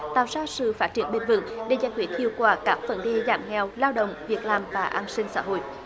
tạo ra sự phát triển bền vững để giải quyết hiệu quả các vấn đề giảm nghèo lao động việc làm và an sinh xã hội